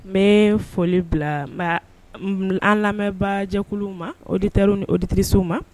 N bɛ foli bila n nka an lamɛnbaajɛkulu ma oditer ni oditso ma